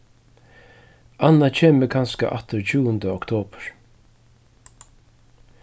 anna kemur kanska aftur tjúgunda oktobur